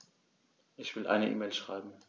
Ich will eine E-Mail schreiben.